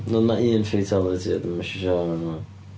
Oedd 'na un fatality ond dwi'm isio siarad am hwnna.